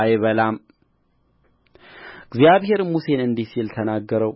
አይበላምእግዚአብሔርም ሙሴን እንዲህ ሲል ተናገረው